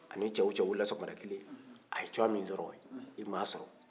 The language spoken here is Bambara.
ani cɛ wo cɛ wilila sɔgɔmada kelen a ye twa min sɔrɔ i m'a sɔrɔ